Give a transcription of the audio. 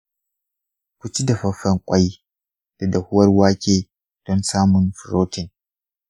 ku ci dafaffen ƙwai da dahuwar wake don samun furotin.